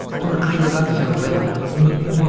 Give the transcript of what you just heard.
A bo' nhw'n ail-ddarllan o fel 'na. Dwi'm- dwi'm yn meddwl...